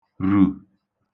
rù